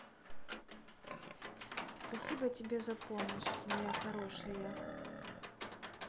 спасибо за помощь моя хорошее